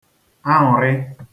aṅụrị